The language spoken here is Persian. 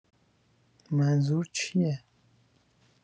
منظور چیه؟